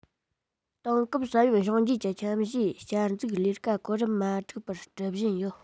དེང སྐབས ས ཡོམ བྱུང རྗེས ཀྱི ཁྱིམ གཞིས བསྐྱར འཛུགས ལས ཀ གོ རིམ མ འཁྲུག པར སྒྲུབ བཞིན ཡོད